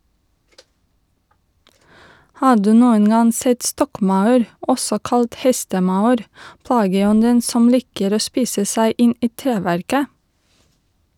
Har du noen gang sett stokkmaur , også kalt hestemaur, plageånden som liker å spise seg inn i treverket?